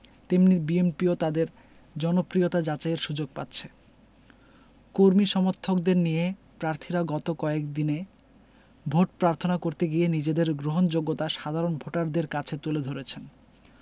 তেমনি বিএনপিও তাদের জনপ্রিয়তা যাচাইয়ের সুযোগ পাচ্ছে কর্মী সমর্থকদের নিয়ে প্রার্থীরা গত কয়েক দিনে ভোট প্রার্থনা করতে গিয়ে নিজেদের গ্রহণযোগ্যতা সাধারণ ভোটারদের কাছে তুলে ধরেছেন